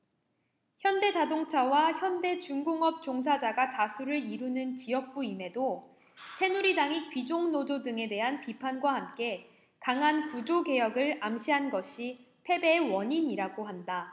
현대자동차와 현대중공업 종사자가 다수를 이루는 지역구임에도 새누리당이 귀족노조 등에 대한 비판과 함께 강한 구조개혁을 암시한 것이 패배의 원인이라고 한다